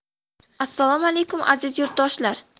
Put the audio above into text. assalomu aleykum aziz yurtdoshlar